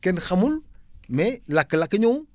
kenn xamul mais lakk-lakk ñëw